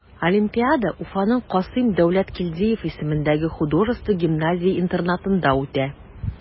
Олимпиада Уфаның Касыйм Дәүләткилдиев исемендәге художество гимназия-интернатында үтә.